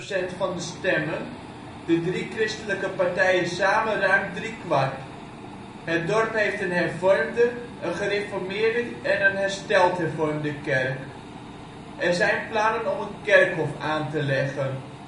50,26 % van de stemmen, de drie christelijke partijen samen ruim driekwart. Het dorp heeft een Hervormde, een Gereformeerde kerk en een Hersteld Hervormde kerk. Er zijn plannen om een kerkhof aan te leggen